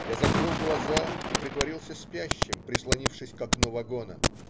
Я закрыл глаза и притворился спящим, прислонившись к ОКНУ вагона.